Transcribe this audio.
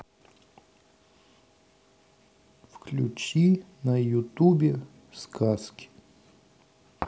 включи на ютубе сказки